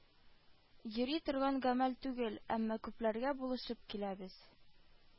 Йөри торган гамәл түгел, әмма күпләргә булышып киләбез